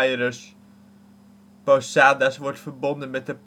Aires. Posadas wordt verbonden met de